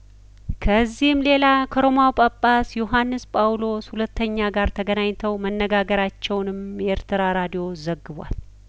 ከዚህም ሌላ ከሮማው ጳጳስ ዮሀንስ ጳውሎስ ሁለተኛ ጋር ተገናኝተው መነጋገራቸውንም የኤርትራ ራዲዮ ዘግቧል